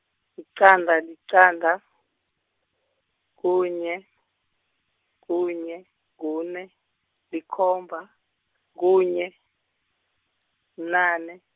liqanda liqanda, kunye, kunye, kune, likhomba, kunye, bunane.